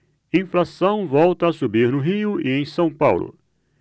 inflação volta a subir no rio e em são paulo